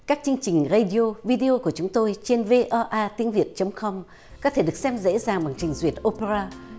các chương trình rây đi ô vi đê ô của chúng tôi trên vê o a tiếng việt chấm com có thể được xem dễ dàng bằng trình duyệt ô pê ra